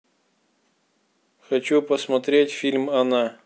хочу посмотреть фильм она